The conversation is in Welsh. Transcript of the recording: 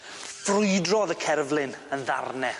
Frwydrodd y cerflun yn ddarne.